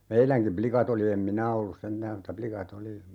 meidänkin likat oli en minä ollut sentään mutta likat oli